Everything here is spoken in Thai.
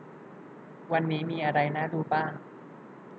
วันนี้มีอะไรน่าดูบ้าง